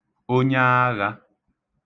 onyaaghā